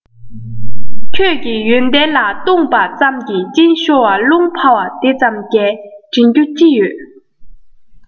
ཁྱོད ཀྱི ཡོན ཏན ལ བཏུངས པ ཙམ གྱིས གཅིན ཤོར བ རླུང འཕར བ དེ ཙམ གས དྲིན རྒྱུ ཅི ཡོད